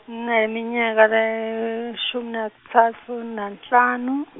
ngineminyaka le lelishumi nakutsatfu nanhlanu.